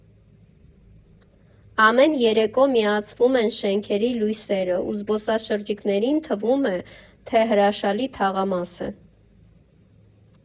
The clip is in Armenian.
Ամեն երեկո միացվում են շենքերի լույսերը ու զբոսաշրջիկներին թվում է, թե հրաշալի թաղամաս է։